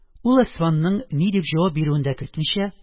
Ул Әсфанның ни дип җавап бирүен дә көтмичә